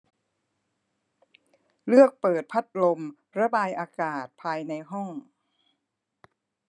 เลือกเปิดพัดลมระบายอากาศภายในห้อง